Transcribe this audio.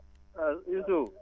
waaw Youssou